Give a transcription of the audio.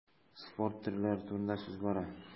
Спорт төрләре турында сүз бара.